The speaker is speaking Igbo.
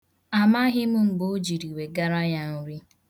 Amaghị mgbe o jiri wegara ya nri.